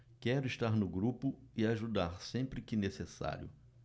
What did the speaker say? quero estar no grupo e ajudar sempre que necessário